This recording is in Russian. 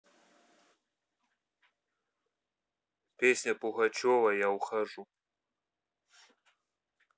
песня пугачева я ухожу